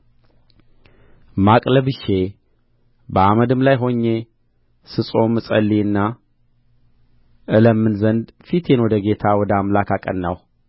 ማቅ ለብሼ በአመድም ላይ ሆኜ ስጾም እጸልይና እለምን ዘንድ ፊቴን ወደ ጌታ ወደ አምላክ አቀናሁ